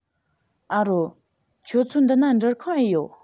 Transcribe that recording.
ཨ རོ ཁྱོད ཚོའི འདི ན འགྲུལ ཁང ཨེ ཡོད